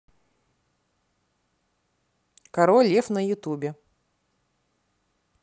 король лев на ютубе